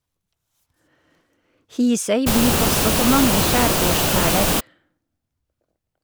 Hisøy byr også på mange skjærgårdsperler.